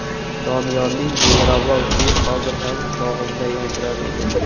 doniyorning dilrabo kuyi hozir ham qulog'imda yangrar edi